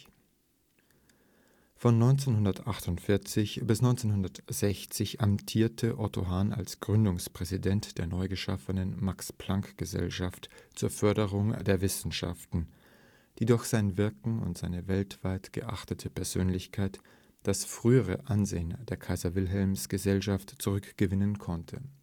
Von 1948 bis 1960 amtierte Otto Hahn als Gründungspräsident der neugeschaffenen Max-Planck-Gesellschaft (MPG) zur Förderung der Wissenschaften, die durch sein Wirken und seine weltweit geachtete Persönlichkeit das frühere Ansehen der Kaiser-Wilhelm-Gesellschaft zurückgewinnen konnte